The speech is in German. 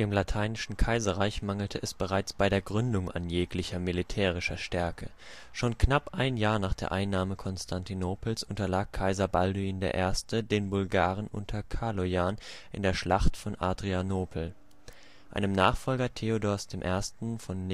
Lateinischen Kaiserreich mangelte es bereits bei der Gründung an jeglicher militärischer Stärke, schon knapp ein Jahr nach der Einnahme Konstantinopels unterlag Kaiser Balduin I. den Bulgaren unter Kalojan in der Schlacht von Adrianopel. Einem Nachfolger Theodors I. von Nikaia